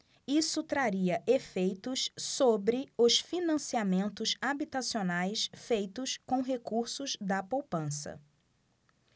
isso traria efeitos sobre os financiamentos habitacionais feitos com recursos da poupança